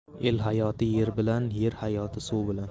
el hayoti yer bilan yer hayoti suv bilan